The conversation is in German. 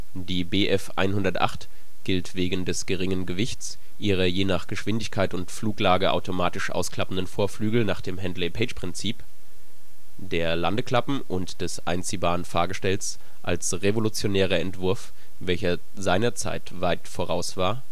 Die Bf 108 gilt wegen des geringen Gewichts, ihrer je nach Geschwindigkeit und Fluglage automatisch ausklappenden Vorflügel nach dem Handley-Page Prinzip, der Landeklappen und des einziehbaren Fahrgestells als revolutionärer Entwurf, welcher seiner Zeit weit voraus war